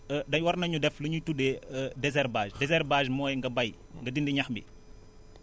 dañ war nañu def lu ñuy tuddee désherbage désherbage mooy nga bay nga dindi ñax mi